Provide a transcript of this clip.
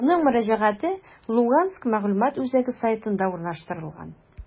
Аның мөрәҗәгате «Луганск мәгълүмат үзәге» сайтында урнаштырылган.